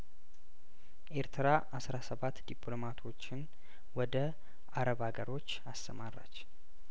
ኤርትራ አስራ ስባት ዲፕሎማቶችን ወደ አረብ አገሮች አሰማራች